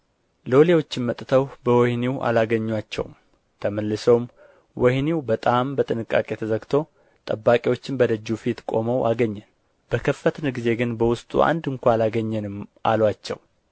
ሎሌዎችም መጥተው በወኅኒው አላገኙአቸውም ተመልሰውም ወኅኒው በጣም በጥንቃቄ ተዘግቶ ጠባቂዎችም በደጁ ፊት ቆመው አገኘን በከፈትን ጊዜ ግን በውስጡ አንድ ስንኳ አላገኘንም አሉአቸው